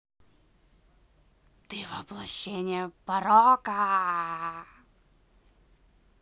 ты воплощение порока